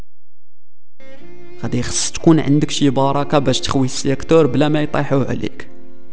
حديقه السكون عندك شيء بارك بست خوي السيكتور بلا ما يطلعوا عندك